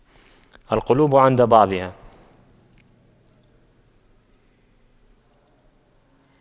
القلوب عند بعضها